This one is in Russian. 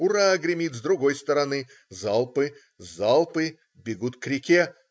"Ура" гремит с другой стороны. Залпы! Залпы! Бегут к реке.